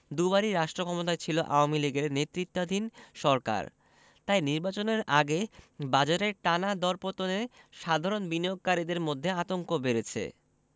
দুবারই রাষ্ট্রক্ষমতায় ছিল আওয়ামী লীগের নেতৃত্বাধীন সরকার তাই নির্বাচনের আগে বাজারের টানা দরপতনে সাধারণ বিনিয়োগকারীদের মধ্যে আতঙ্ক বেড়েছে